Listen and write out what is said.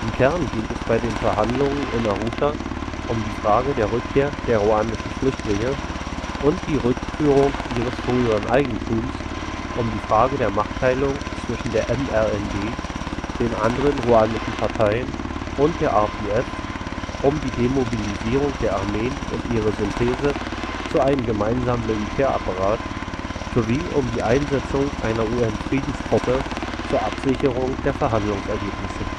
Kern ging es bei den Verhandlungen in Arusha um die Frage der Rückkehr der ruandischen Flüchtlinge und die Rückführung ihres früheren Eigentums, um die Frage der Machtteilung zwischen der MRND, den anderen ruandischen Parteien und der RPF, um die Demobilisierung der Armeen und ihre Synthese zu einem gemeinsamen Militärapparat sowie um die Einsetzung einer UN-Friedenstruppe zur Absicherung der Verhandlungsergebnisse